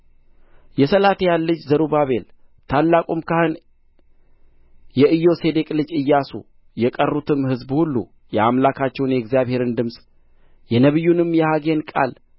የሰላትያልም ልጅ ዘሩባቤል ታላቁም ካህን የኢዮሴዴቅ ልጅ ኢያሱ የቀሩትም ሕዝብ ሁሉ የአምላካቸውን የእግዚአብሔርን ድምፅ የነቢዩንም የሐጌን ቃል